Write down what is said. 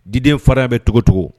Diden fara bɛ cogocogo